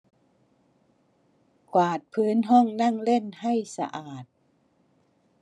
กวาดพื้นห้องนั่งเล่นให้สะอาด